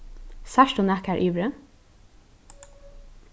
sært tú nakað har yviri